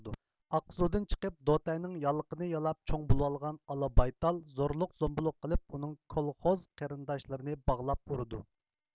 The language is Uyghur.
ئاقسۇدىن چىقىپ دوتەينىڭ يالىقىنى يالاپ چوڭ بولۇۋالغان ئالا بايتال زورلۇق زومبۇلۇق قىلىپ ئۇنىڭ كولخوز قېرىنداشلىرىنى باغلاپ ئۇرىدۇ